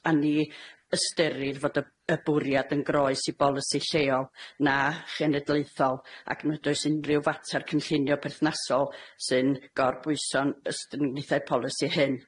a ni ystyrir fod y y bwriad yn groes i bolisi lleol na chenedlaethol, ac nad oes unrhyw fater cynllunio perthnasol sy'n gorbwyso'n ystyrnithau polisi hyn.